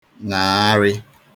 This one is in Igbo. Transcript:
ṅàgharị